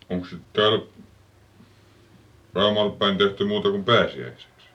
onkos sitten täällä Raumalla päin tehty muuta kuin pääsiäiseksi